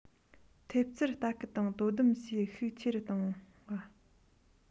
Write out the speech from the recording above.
ཐེབས རྩར ལྟ སྐུལ དང དོ དམ བྱེད ཤུགས ཆེ རུ གཏོང བ